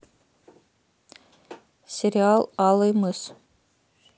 сериал алый мыс